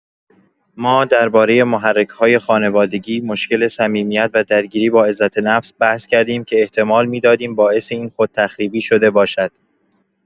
ما درباره محرک‌های خانوادگی، مشکل صمیمیت و درگیری با عزت‌نفس بحث کردیم که احتمال می‌دادیم باعث این خودتخریبی شده باشد.